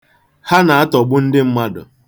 Ha na-atọgbu ndị mmadụ.